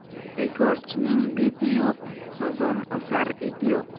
bekorchining beti yo'q qozon osar eti yo'q